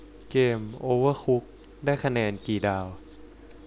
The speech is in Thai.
เกมโอเวอร์คุกได้คะแนนกี่ดาว